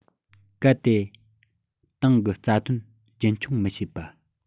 གལ ཏེ ཏང གི རྩ དོན རྒྱུན འཁྱོངས མི བྱེད པ